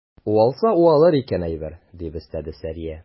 Уалса уалыр икән әйбер, - дип өстәде Сәрия.